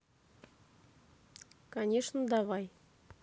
конечно давай